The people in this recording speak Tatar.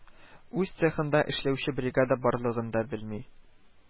Үз цехында эшләүче бригада барлыгын да белми